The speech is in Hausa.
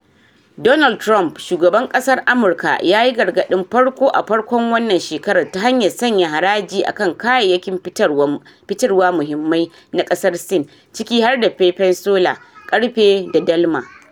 Donald Trump, shugaban ƙasar Amurka, yayi gargadin farko a farkon wannan shekarar ta hanyar sanya haraji akan kayayyakin fitarwa muhimmai na ƙasar Sin, ciki har da feifen sola, ƙarfe da dalma.